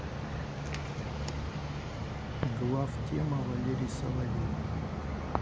глав тема валерий соловей